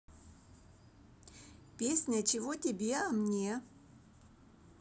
песня чего тебе а мне